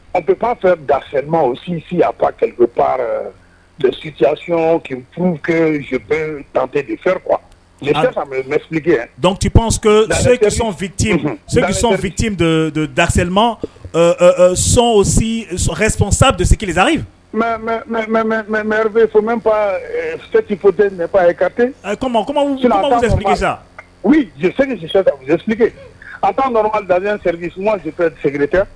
A bɛ' fɛ dafema sisi a pa mɛ site kuwa dɔnkiliti pans seli fitkisɛsɔn fit don don dasɛma sonsi son sa de sa mɛ mɛ mɛ mɛtipte kate kɔmige a'an kɔrɔ darili tɛ